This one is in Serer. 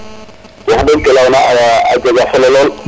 wax deg kene loyana a jega solo lool